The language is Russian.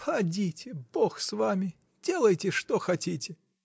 — Подите, Бог с вами, делайте, что хотите!